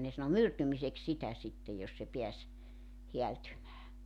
ne sanoi myrtymiseksi sitä sitten jos se pääsi häältymään